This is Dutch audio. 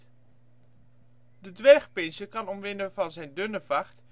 dwergpinscher kan omwille van zijn dunne vacht